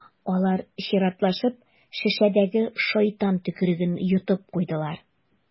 Алар чиратлашып шешәдәге «шайтан төкереге»н йотып куйдылар.